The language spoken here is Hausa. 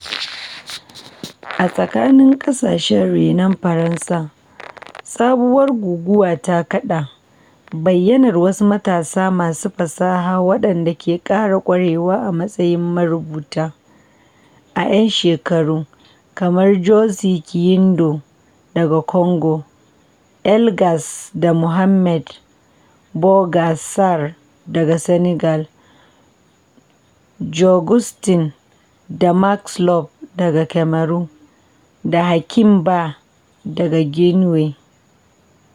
A tsakanin ƙasashe renon Faransa, sabuwar guguwa ta kaɗa, bayyanar wasu matasa masu fasaha waɗanda ke ƙara ƙwarewa a matsayin marubuta a 'yan shekaru, kamar Jussy Kiyindou daga Congo, Elgas da Mohamed Mbougar Sarr daga Senegal, Jo Güstin da Max Lobé daga Kamaru, da Hakim Bah daga Guinea.